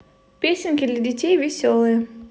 песенки для детей веселые